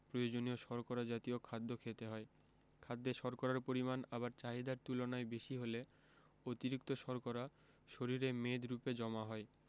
প্রয়োজনীয় শর্করা জাতীয় খাদ্য খেতে হয় খাদ্যে শর্করার পরিমাণ আবার চাহিদার তুলনায় বেশি হলে অতিরিক্ত শর্করা শরীরে মেদরুপে জমা হয়